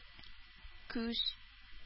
Күз